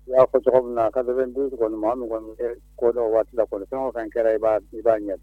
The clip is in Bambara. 'a fɔ cogo min na ka bik waati la fɛn fɛn kɛra i b' b'a ɲɛ